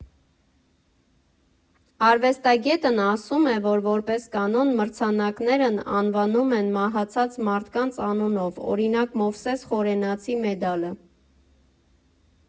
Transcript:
Արվեստագետն ասում է, որ, որպես կանոն, մրցանակներն անվանում են մահացած մարդկանց անունով, օրինակ՝ Մովսես Խորենացի մեդալը։